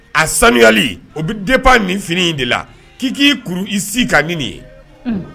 A sanuli o bɛ den min fini in de la k'i k'i kuru i si ka ni nin ye